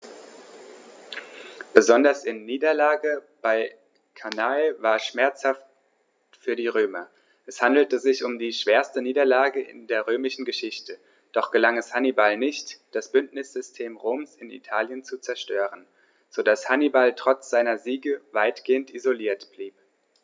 Besonders die Niederlage bei Cannae war schmerzhaft für die Römer: Es handelte sich um die schwerste Niederlage in der römischen Geschichte, doch gelang es Hannibal nicht, das Bündnissystem Roms in Italien zu zerstören, sodass Hannibal trotz seiner Siege weitgehend isoliert blieb.